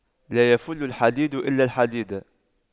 لا يَفُلُّ الحديد إلا الحديد